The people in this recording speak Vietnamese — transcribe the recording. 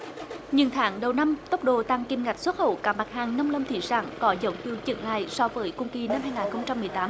những tháng đầu năm tốc độ tăng kim ngạch xuất khẩu các mặt hàng nông lâm thủy sản có dấu hiệu chững lại so với cùng kỳ năm hai ngàn không trăm mười tám